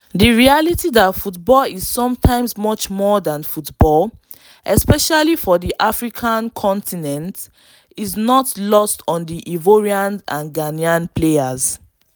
The reality that football is sometimes “much more than football”, especially for the African Continent, is not lost on the Ivorian and Ghanaian players.